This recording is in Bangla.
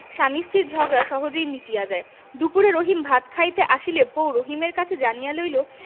স্বামী স্ত্রীর ঝগড়া সহজেই মিটিয়া যায় দুপুরে রহিম ভাত খাইতে আসিলে বউ রহিমের কাছে জানিয়া লইল